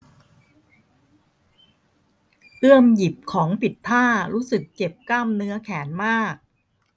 เอื้อมหยิบของผิดท่ารู้สึกเจ็บกล้ามเนื้อแขนมาก